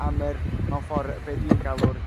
am yr mewn ffor' be dwi'n galw'r